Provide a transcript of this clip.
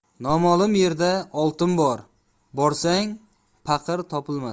noma'lum yerda oltin bor borsang paqir topilmas